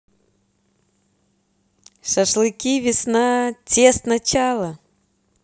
шашлыки весна тест начало